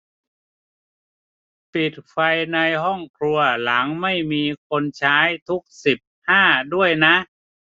ปิดไฟในห้องครัวหลังไม่มีคนใช้ทุกสิบห้าด้วยนะ